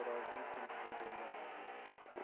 xo'rozning tumshug'i bo'lgan afzal